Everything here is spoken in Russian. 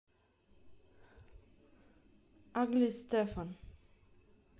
ugly стефан